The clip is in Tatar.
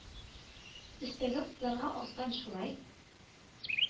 Өстәге кызларга астан шулай